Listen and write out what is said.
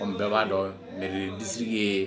Bɛɛ b'a dɔn mɛ siri ye